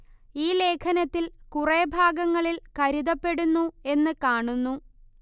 ഈ ലേഖനത്തിൽ കുറെ ഭാഗങ്ങളിൽ കരുതപ്പെടുന്നു എന്ന് കാണുന്നു